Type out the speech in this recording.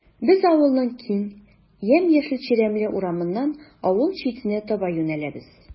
Без авылның киң, ямь-яшел чирәмле урамыннан авыл читенә таба юнәләбез.